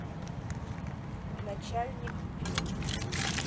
начальник фильм